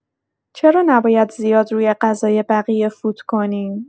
چرا نباید زیاد روی غذای بقیه فوت کنیم؟